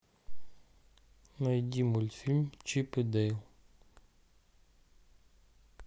найди мультфильм чип и дейл